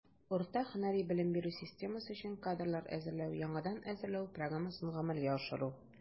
Урта һөнәри белем бирү системасы өчен кадрлар әзерләү (яңадан әзерләү) программасын гамәлгә ашыру.